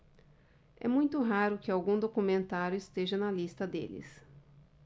é muito raro que algum documentário esteja na lista deles